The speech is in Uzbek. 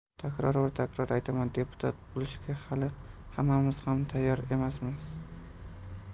takror va takror aytaman deputat bo'lishga hali hammamiz ham tayyor emasmiz